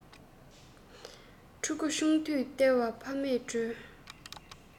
ཕྲུ གུ ཆུང དུས ལྟེ བ ཕ མས སྒྲོལ